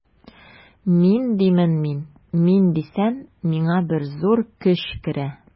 Мин димен мин, мин дисәм, миңа бер зур көч керә.